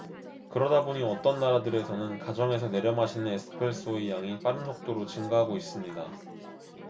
그러다 보니 어떤 나라들에서는 가정에서 내려 마시는 에스프레소의 양이 빠른 속도로 증가하고 있습니다